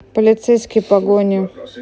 полицейские погони